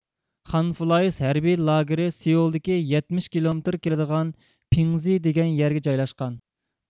خانفۇلايىس ھەربىي لاگېرى سېئۇلدىكى يەتمىش كىلومېتىر كېلىدىغان پىڭزې دېگەن يەرگە جايلاشقان